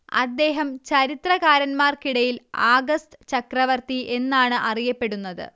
അദ്ദേഹം ചരിത്രകാരന്മാർക്കിടയിൽ ആഗസ്ത് ചക്രവർത്തി എന്നാണ് അറിയപ്പെടുന്നത്